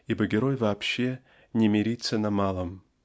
ибо герой вообще не мирится на малом.